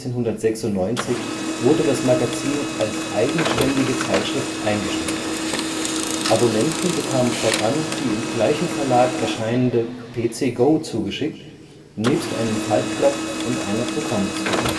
12/1996 wurde das Magazin als eigenständige Zeitschrift eingestellt: Abonnenten bekamen fortan die im gleichen Verlag erscheinende Zeitschrift PCgo zugeschickt - nebst einem Faltblatt und einer Programmdiskette